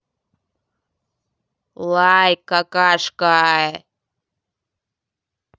лайк какашка